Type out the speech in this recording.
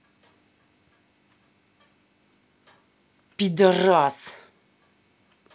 пидарас